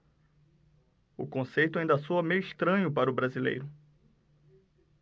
o conceito ainda soa meio estranho para o brasileiro